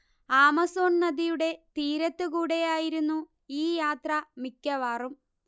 Amazon നദിയുടെ തീരത്തുകൂടെ ആയിരുന്നു ഈ യാത്ര മിക്കവാറും